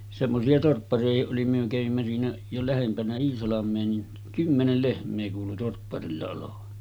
semmoisia torppariakin oli me kävimme siinä jo lähempänä Iisalmea niin kymmenen lehmää kuului torpparilla olevan